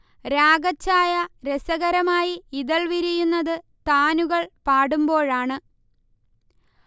രാഗച്ഛായ രസകരമായി ഇതൾ വിരിയുന്നത് താനുകൾ പാടുമ്പോഴാണ്